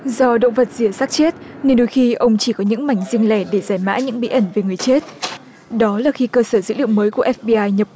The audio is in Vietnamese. do động vật dỉ xác chết nên đôi khi ông chỉ có những mảnh riêng lẻ để giải mã những bí ẩn về người chết đó là khi cơ sở dữ liệu mới của ép bi ai nhập cuộc